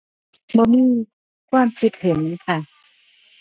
บ่มีความคิดเห็นค่ะ